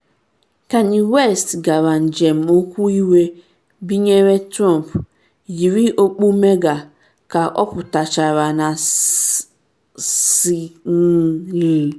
Kanye West Gara Njem Okwu Iwe Binyere Trump, Yiri Okpu MAGA, Ka Ọ Pụtachara na SNL.